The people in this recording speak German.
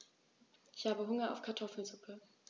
Ich habe Hunger auf Kartoffelsuppe.